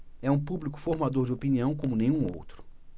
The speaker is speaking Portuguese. é um público formador de opinião como nenhum outro